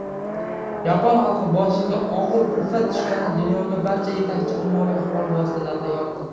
yapon xalqi boshiga og ir kulfat tushgani dunyodagi barcha yetakchi ommaviy axborot vositalarida yoritildi